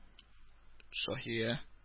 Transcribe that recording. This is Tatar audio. Шаһия